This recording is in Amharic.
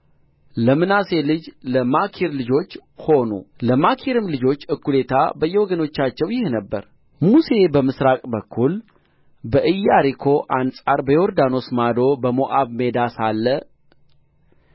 ለምናሴ ልጅ ለማኪር ልጆች ሆኑ ለማኪር ልጆች እኩሌታ በየወገኖቻቸው ይህ ነበረ ሙሴ በምሥራቅ በኩል በኢያሪኮ አንጻር በዮርዳኖስ ማዶ በሞዓብ ሜዳ ሳለ